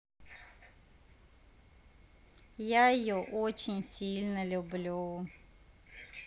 я ее очень сильно люблю